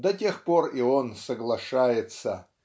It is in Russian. до тех пор и он соглашается